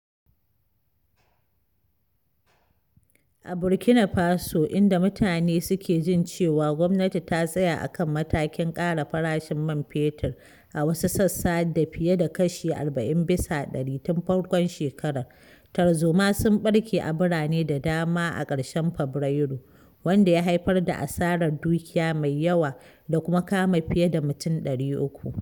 A Burkina Faso, inda mutane suke jin cewa gwamnati ta tsaya akan matakin ƙara farashin man fetur a wasu sassa da fiye da kashi 40% tun farkon shekarar, tarzoma sun ɓarke a birane da dama a ƙarshen Fabrairu, wanda ya haifar da asarar dukiya mai yawa da kuma kama fiye da mutum 300.